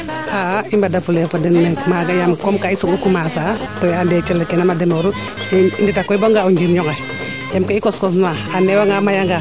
xa'a i mbada fule fa den maaga yaam comme kee i soogo commencer a to i ande calel ke nama demo'ooru i ndeta koy boo nga o njirño nge yaam ke'i kos kos na a neewa nga a maya nga